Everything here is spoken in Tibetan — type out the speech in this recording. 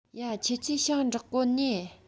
ཡ ཁྱོད ཚོས ཞིང འབྲེག གོ ནིས